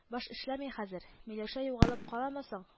Баш эшләми хәзер. миләүшә югалып каламы соң